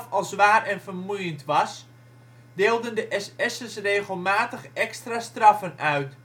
al zwaar en vermoeiend was, deelden de SS'ers regelmatig extra straffen uit